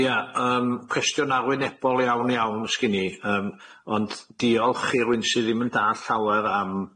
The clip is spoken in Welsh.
Ia yym cwestiwn arwynebol iawn iawn sgin i yym ond diolch i rywun sy ddim yn da llawer am